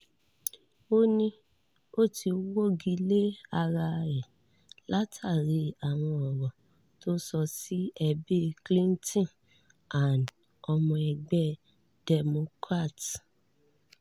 Ó ní “Ó ti wọ́gi lé ara ẹ̀ látàrí àwọn ọ̀rọ̀ tó sọ sí ẹbí Clinton and ọmọ ẹgbẹ́ Democrat.”